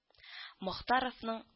Мохтаровның